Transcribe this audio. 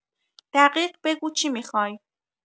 دقیق بگو چی میخوای؟